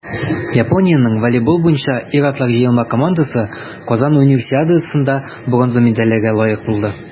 Япониянең волейбол буенча ир-атлар җыелма командасы Казан Универсиадасында бронза медальләргә лаек булды.